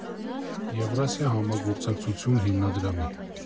Եվրասիա համագործակցություն հիմնադրամի։